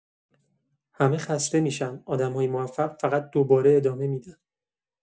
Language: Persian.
همه خسته می‌شن، آدم‌های موفق فقط دوباره ادامه می‌دن.